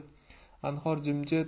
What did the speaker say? anhor jim jit